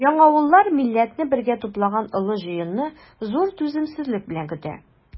Яңавыллар милләтне бергә туплаган олы җыенны зур түземсезлек белән көтә.